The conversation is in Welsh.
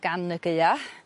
gan y Gaea